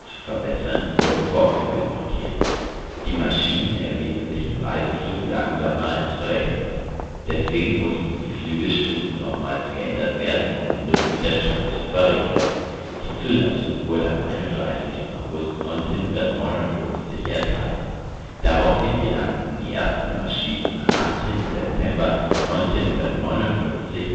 verbessern, wurden Vorflügel montiert. Die Maschinen erwiesen sich im Reiseflug langsamer als berechnet. Deswegen mussten die Flügelspitzen nochmals geändert werden, um den Luftwiderstand zu verringern. Die Zulassung wurde am 31. August 1959 erteilt. Daraufhin gelangten die ersten Maschinen am 18. September 1959